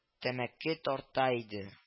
Тәмәке тарта иде